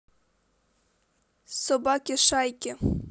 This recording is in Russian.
собаки шайки